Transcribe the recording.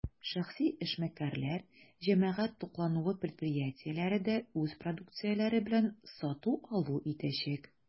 Шәхси эшмәкәрләр, җәмәгать туклануы предприятиеләре дә үз продукцияләре белән сату-алу итәчәк.